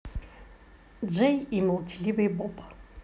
джей и молчаливый боб